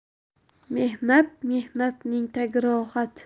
mehnat mehnatning tagi rohat